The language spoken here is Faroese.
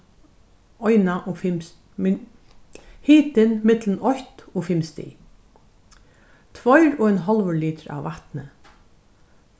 eina og fimm hitin millum eitt og fimm stig tveir og ein hálvur litur av vatni